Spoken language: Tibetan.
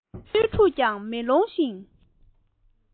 དོན ལྔ སྣོད དྲུག ཀྱང མེ ལོང བཞིན